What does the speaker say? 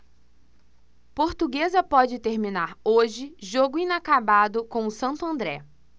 portuguesa pode terminar hoje jogo inacabado com o santo andré